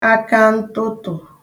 akantụtụ̀